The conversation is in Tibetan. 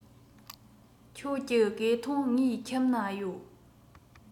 ཁྱོད ཀྱི གོས ཐུང ངའི ཁྱིམ ན ཡོད